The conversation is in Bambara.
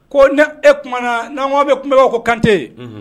Ko ni e tumaumana na naamu bɛ tun bɛ'a ko kante